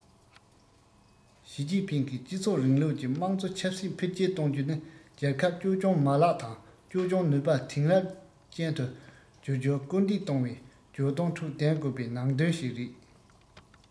ཞིས ཅིན ཕིང གིས སྤྱི ཚོགས རིང ལུགས ཀྱི དམངས གཙོ ཆབ སྲིད འཕེལ རྒྱས གཏོང རྒྱུ ནི རྒྱལ ཁབ བཅོས སྐྱོང མ ལག དང བཅོས སྐྱོང ནུས པ དེང རབས ཅན དུ འགྱུར རྒྱུར སྐུལ འདེད གཏོང བའི བརྗོད དོན ཁྲོད ལྡན དགོས པའི ནང དོན ཞིག རེད